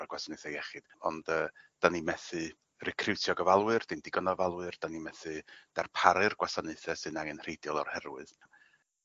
a'r gwasanaethe iechyd ond yy 'dan ni methu recriwtio gofalwyr dim digon o ofalwr 'dan ni methu darparu'r gwasanaethe sy'n angenrheidiol o'r herwydd.